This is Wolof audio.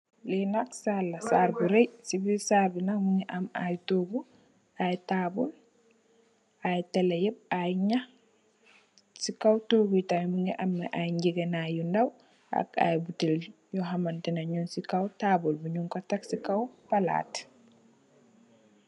Li nak sal la, sal bu rèy. Si biir sal bi mugii am ay tohgu ay tabull ay tele yép ay ñax, ci kaw tohgu tamid mu ngi ameh ay ngegenai yu ndaw ak ay butèèl yu xamanteh ñing ci tabull bi, ñing ko tek ci kaw palaat.